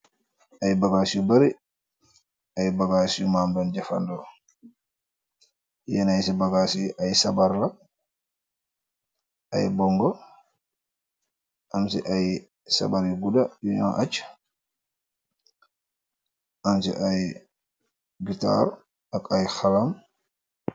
ay bagaas yu bari ay bagaas yu màmban jefando yenn ay ci bagaas yi ay sabarla ay bongo am ci ay sabari buda yunoo ach ange ay gutar ak ay xalam